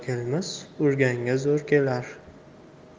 kelmas urganga zo'r kelar